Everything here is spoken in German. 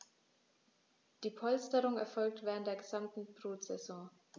Diese Polsterung erfolgt während der gesamten Brutsaison.